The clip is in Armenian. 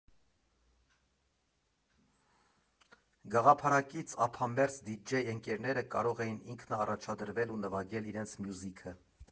Գաղափարակից ափամերձ դիջեյ ընկերները կարող էին ինքնաառաջադրվել ու նվագել իրենց մյուզիքը։